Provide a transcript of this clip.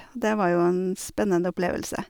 Og det var jo en spennende opplevelse.